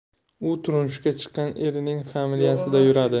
u turmushga chiqqan erining familiyasida yuradi